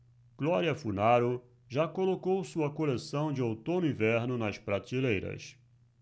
glória funaro já colocou sua coleção de outono-inverno nas prateleiras